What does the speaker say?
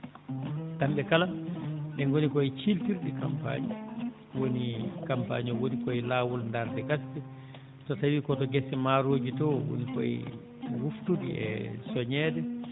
kamɓe kala ɓe ngoni koye ciiftirɗi campagne woni campagne woni koye laawol daarde gasde so tawii koto gese maarooji to woni koye wuftude e soñeede